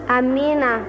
amiina